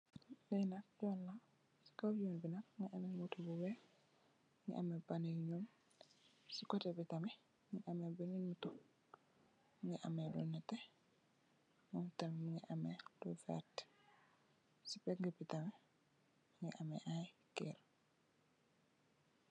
Li nak yoon la, ci kaw yoon bi nak mungi ameh moto bu weeh mungi ameh ban yu ñuul. Ci kotè bi tamit mungi ameh benen moto mungi ameh lu nètè mum tamit mungi ameh lu vert. Ci pegg bi tamit mungi ameh ay kër.